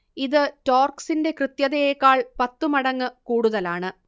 ഇത് ടോർക്സിന്റെ കൃത്യതയേക്കാൾ പത്തു മടങ്ങ് കൂടുതലാണ്